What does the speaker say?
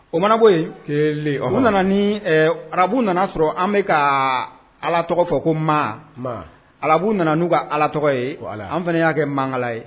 O mana bɔ yen, 1, u nana ni ɛ arabuw nana sɔrɔ an bɛ ka Ala tɔgɔ fɔ ko man, man, arabuw nana n'u ka Ala tɔgɔ ye, voilà , an fana y'a kɛ mankala ye.